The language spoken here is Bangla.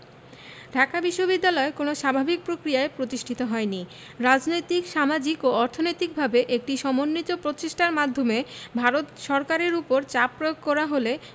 ঢাকা বিশ্ববিদ্যালয় কোনো স্বাভাবিক প্রক্রিয়ায় প্রতিষ্ঠিত হয়নি রাজনৈতিক সামাজিক ও অর্থনৈতিকভাবে একটি সমন্বিত প্রচেষ্টার মাধ্যমে ভারত সরকারের ওপর চাপ প্রয়োগ করা হলে